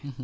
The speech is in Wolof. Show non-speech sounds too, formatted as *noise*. *hesitation* *hesitation*